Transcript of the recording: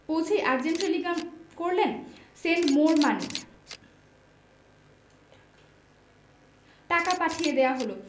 পৌছেই urgent telegram করলেন send more money Dhaka পাঠিয়ে দেয়া হল